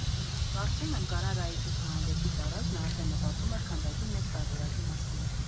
Կարծում եմ՝ Կարարայի ցուցահանդեսից առաջ նա արդեն մտածում էր քանդակի մեծ տարբերակի մասին։